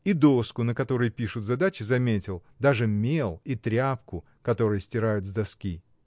И доску, на которой пишут задачи, заметил, даже мел и тряпку, которою стирают с доски.